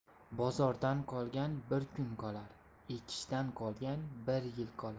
bozordan qolgan bir kun qolar ekishdan qolgan bir yil qolar